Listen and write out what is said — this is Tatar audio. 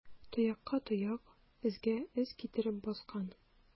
Тоякка тояк, эзгә эз китереп баскан.